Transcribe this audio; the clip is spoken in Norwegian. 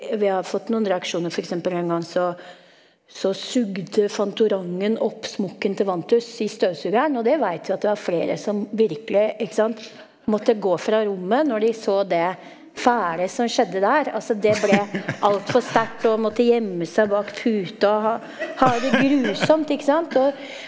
vi har fått noen reaksjoner, f.eks. en gang så så sugde Fantorangen opp smokken til Fantus i støvsugeren og det veit vi at det var flere som virkelig ikke sant måtte gå fra rommet når de så det fæle som skjedde der, altså det ble alt for sterkt og måtte gjemme seg bak puta og har det grusomt ikke sant og.